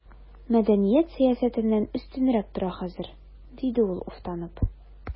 Мәдәният сәясәттән өстенрәк тора хәзер, диде ул уфтанып.